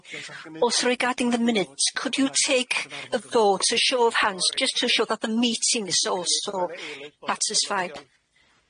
Also regarding the minutes, could you take the floor to show of hands, just to show that the meeting is also satisfied?